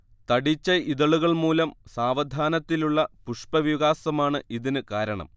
തടിച്ച ഇതളുകൾ മൂലം സാവധാനത്തിലുള്ള പുഷ്പവികാസമാണ് ഇതിന് കാരണം